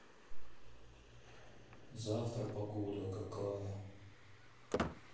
завтра погода какая